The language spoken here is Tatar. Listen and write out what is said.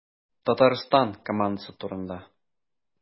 Татарстан командасы турында.